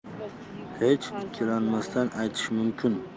hech ikkilanmasdan aytish mumkin